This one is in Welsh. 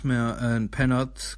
...mae o yn pennod